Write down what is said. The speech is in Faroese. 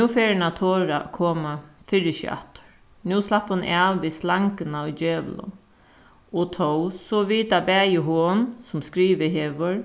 nú fer hon at tora at koma fyri seg aftur nú slapp hon av við slanguna og djevulin og tó so vita bæði hon sum skrivað hevur